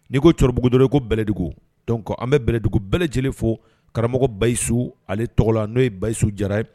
N'i ko cɔrɔbugu dɔrɔnw i ko Bɛlɛdugu ,an bɛ bɛlɛdugu bɛɛl lajɛlen fo karamɔgɔ Bayisu, ale tɔgɔ la , n'o ye Bayisu Jara ye.